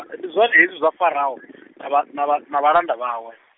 ndi zwone hezwi zwa Faraho navha, navha, na vhalanda vhawe.